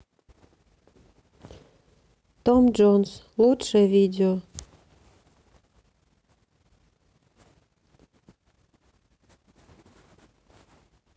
том джонс лучшие видео